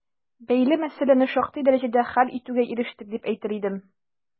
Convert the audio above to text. Бәйле мәсьәләне шактый дәрәҗәдә хәл итүгә ирештек, дип әйтер идем.